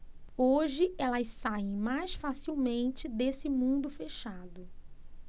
hoje elas saem mais facilmente desse mundo fechado